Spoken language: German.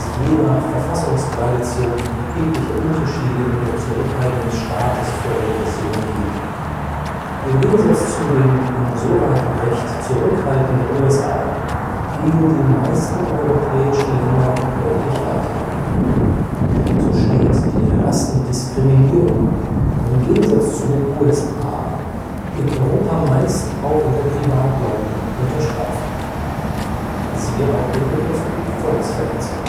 je nach Verfassungstradition erhebliche Unterschiede in der Zurückhaltung des Staates vor Repression geben: Im Gegensatz zu den insoweit recht zurückhaltenden USA gehen die meisten europäischen Länder deutlich weiter. So steht die Rassendiskriminierung im Gegensatz zu den USA in Europa meist auch unter Privatleuten unter Strafe (siehe Volksverhetzung